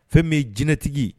Fɛn bɛ ye jinɛtigi